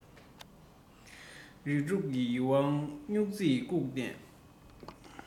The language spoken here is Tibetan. རིགས དྲུག གི ཡིད དབང སྨྱུག རྩེ ཡིས བཀུག ནས